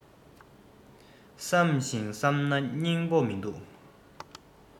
བསམ ཞིང བསམ ན སྙིང པོ མིན འདུག